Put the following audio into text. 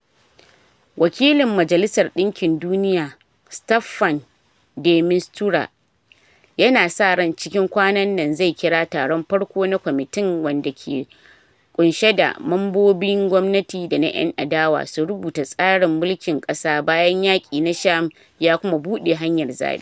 Wakilin Majalisar Ɗinkin Duniya Staffan de Mistura yana sa ran cikin kwanan nan zai kira taron farko na kwamitin wanda ke kunsheda mambobin gwamnati da na ‘yan adawa su rubuta tsarin mulkin kasa bayan yaki na Sham ya kuma buɗe hanyar zabe.